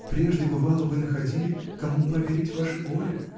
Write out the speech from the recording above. Прежде, бывало, вы находили, кому поверить ваше горе